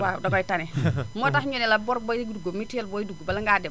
waaw dakoy tane moo tax ñu ne la bor bay dugg mutuel booy dugg bala ngaa dem